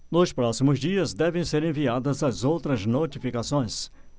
nos próximos dias devem ser enviadas as outras notificações